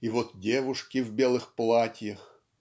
и вот девушки в белых платьях